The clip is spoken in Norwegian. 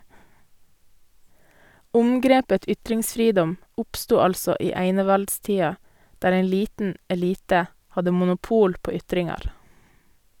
Omgrepet ytringsfridom oppstod altså i einevaldstida, der ein liten elite hadde monopol på ytringar.